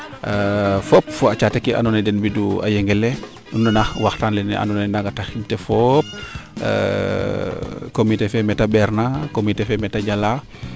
fop fo a caate ke ando naye den widu a Yengele nu nana waxtaan le ando naye naga sax nite fop comité fee meete mbeer na comité fee meete jala